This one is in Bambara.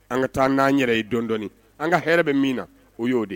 An ka taa nan yɛrɛ ye dɔɔni dɔɔni . An ka hɛrɛ bɛ min na o yo de ye